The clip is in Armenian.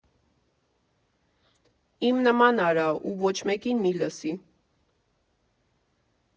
Իմ նման արա, ու ոչ մեկին մի լսի։